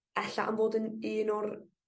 ella am fod yn un o'r